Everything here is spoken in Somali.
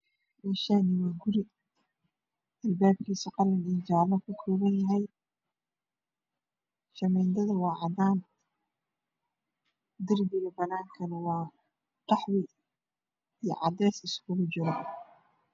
Meeshaan waa guri albaabkiisu khalin iyo jaalo ka kooban yahay. shamiitadu waa cadaan darbiga banaan kana waa qaxwi iyo cadeys isku jira.